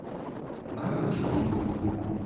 навыки дун